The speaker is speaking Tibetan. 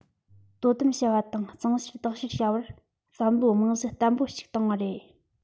དོ དམ བྱ བ དང གཙང བཤེར དག ཐེར བྱ བར བསམ བློའི རྨང གཞི བརྟན པོ ཞིག བཏིང བ རེད